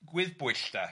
gwyddbwyll de.